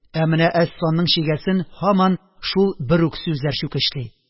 Ә менә Әсфанның чигәсен һаман шул бер үк сүзләр чүкечли